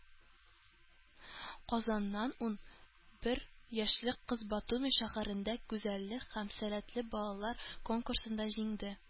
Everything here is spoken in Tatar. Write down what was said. Казаннан ун бер яшьлек кыз Батуми шәһәрендә гүзәллек һәм сәләтләр балалар конкурсында җиңде